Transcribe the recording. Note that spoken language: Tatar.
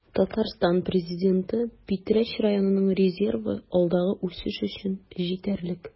Татарстан Президенты: Питрәч районының резервы алдагы үсеш өчен җитәрлек